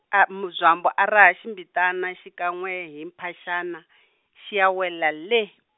Mudzwambu a raha ximbitana xikan'we hi mphaxana, xi ya wela lee.